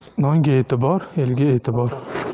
nonga e'tibor elga e'tibor